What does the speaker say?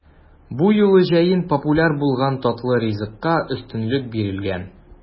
Бу юлы җәен популяр булган татлы ризыкка өстенлек бирелгән.